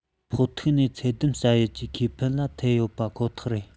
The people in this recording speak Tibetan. ཕོག ཐུག ནས ཚད ལྡན བྱ ཡུལ གྱི ཁེ ཕན ལ ཐེབས ཡོད ཁོ ཐག རེད